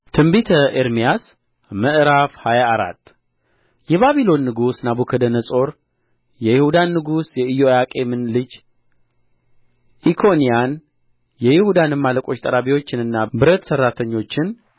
ትንቢተ ኤርምያስ ምዕራፍ ሃያ አራት የባቢሎን ንጉሥ ናቡከደነፆር የይሁዳን ንጉሥ የኢዮአቄምን ልጅ ኢኮንያንን የይሁዳንም አለቆች ጠራቢዎችንና ብረት ሠራተኞችን